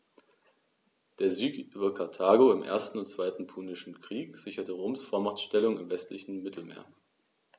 Der Sieg über Karthago im 1. und 2. Punischen Krieg sicherte Roms Vormachtstellung im westlichen Mittelmeer.